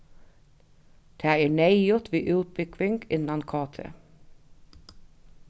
tað er neyðugt við útbúgving innan kt